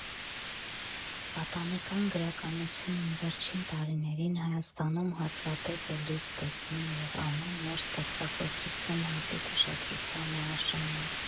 Պատանեկան գրականություն վերջին տարիներին Հայաստանում հազվադեպ է լույս տեսնում և ամեն նոր ստեղծագործություն հատուկ ուշադրության է արժանի։